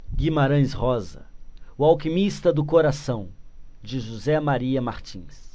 guimarães rosa o alquimista do coração de josé maria martins